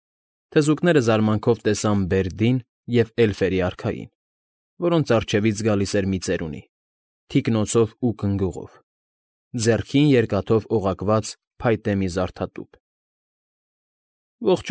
Թզուկները զարմանքով տեսան Բերդին և էլֆերի արքային, որոնց առջևից գալի էր մի ծերունի, թիկնոցով ու կգնուղով, ձեռքին երկաթով օղակված փայտե մի զարդատուփ։ ֊